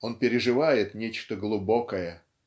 он переживает нечто глубокое.